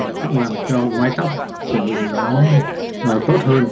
thì cũng làm cho mái tóc của mình nó nó tốt hơn